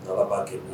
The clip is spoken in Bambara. Ala b'a kɛ